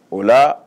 O la